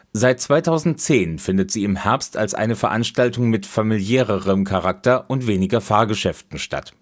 Seit 2010 findet sie im Herbst als eine Veranstaltung mit familiärerem Charakter und weniger Fahrgeschäften statt